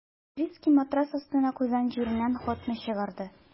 Петрицкий матрац астына куйган җирәннән хатны чыгарды.